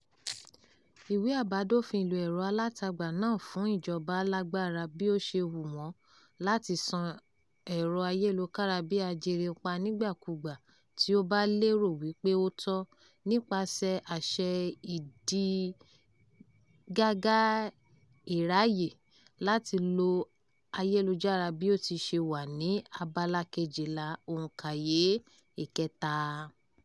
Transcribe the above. Ìwé àbádòfin ìlò ẹ̀rọ alátagbà náà fún ìjọba lágbára bí ó ṣe hù wọ́n láti ṣán ẹ̀rọ ayélukára bí ajere pa nígbàkúùgbà tí ó bá lérò wípé ó tọ́, nípasẹ̀ "Àṣẹ Ìdígàgá Ìráyè" láti lo ayélujára bí ó ti ṣe wà ní Abala 12, òǹkaye 3: